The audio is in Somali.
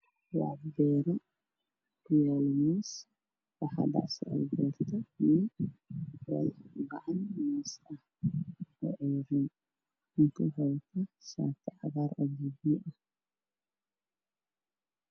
Waa beer waxaa ii muuqda moos nin ayaa mooska dhabarka ku wado wato shaati cagaar